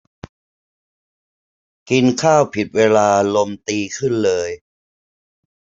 กินข้าวผิดเวลาลมตีขึ้นเลย